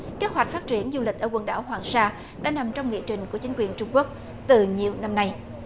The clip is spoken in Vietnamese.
kế hoạch phát triển du lịch ở quần đảo hoàng sa đã nằm trong nghị trình của chính quyền trung quốc từ nhiều năm nay